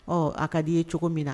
Ɔ a ka di'i ye cogo min na